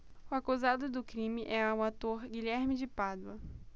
o acusado do crime é o ator guilherme de pádua